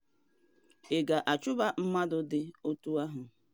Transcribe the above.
“Ị ga-achụba mmadụ dị otu ahụ?